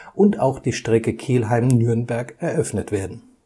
und auch die Strecke Kelheim – Nürnberg eröffnet werden